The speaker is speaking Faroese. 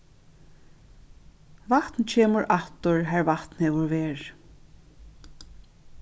vatn kemur aftur har vatn hevur verið